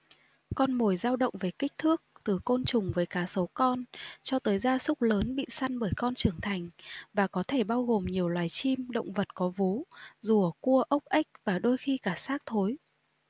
con mồi dao động về kích thước từ côn trùng với cá sấu con cho tới gia súc lớn bị săn bởi con trưởng thành và có thể bao gồm nhiều loài chim động vật có vú rùa cua ốc ếch và đôi khi cả xác thối